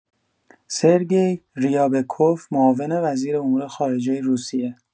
سرگئی ریابکوف، معاون وزیر امور خارجه روسیه